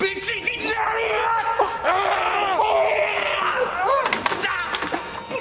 Be' ti 'di neud? Na!